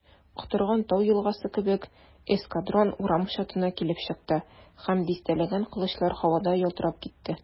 Котырган тау елгасы кебек эскадрон урам чатына килеп чыкты, һәм дистәләгән кылычлар һавада ялтырап китте.